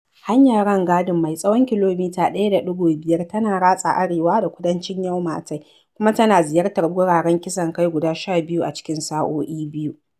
Hanyar rangadin mai tsawon kilomita 1.5 tana ratsa arewa da kudancin Yau Ma Tei, kuma tana ziyartar wuraren kisan kai guda 12 a cikin sa'o'i biyu.